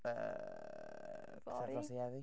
Yy... fory ...Pythefnos i heddi?